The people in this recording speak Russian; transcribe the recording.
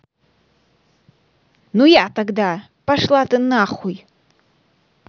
ну я тогда пошла ты нахуй